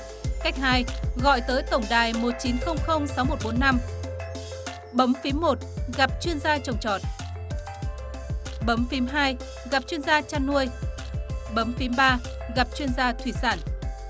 cách hai gọi tới tổng đài một chín không không sáu một bốn năm bấm phím một gặp chuyên gia trồng trọt bấm phím hai gặp chuyên gia chăn nuôi bấm phím ba gặp chuyên gia thủy sản